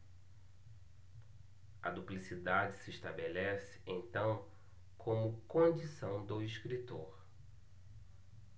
a duplicidade se estabelece então como condição do escritor